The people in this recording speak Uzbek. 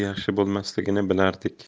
yaxshi bo'lmasligini bilardik